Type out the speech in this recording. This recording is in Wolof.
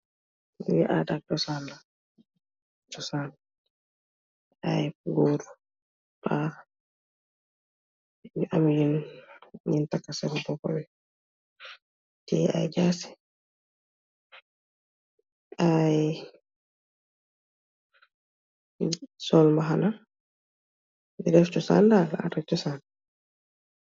Adaa ak chosan bo hamneh goori nyewgeih sol sen takayuu.